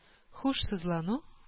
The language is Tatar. Һушсызлану